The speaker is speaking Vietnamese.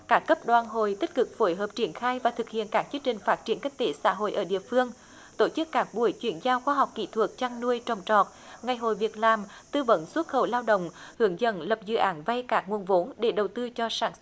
các cấp đoàn hội tích cực phối hợp triển khai và thực hiện các chương trình phát triển kinh tế xã hội ở địa phương tổ chức các buổi chuyển giao khoa học kỹ thuật chăn nuôi trồng trọt ngày hội việc làm tư vấn xuất khẩu lao động hướng dẫn lập dự án vay các nguồn vốn để đầu tư cho sản